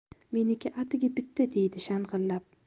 meniki atigi bitta deydi shang'illab